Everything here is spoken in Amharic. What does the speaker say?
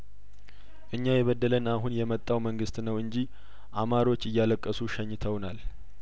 እኛ የበደለን አሁን የመጣው መንግስት ነው እንጂ አማሮች እያለቀሱ ሸኝተውናል